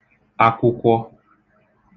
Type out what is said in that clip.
akwụkwọ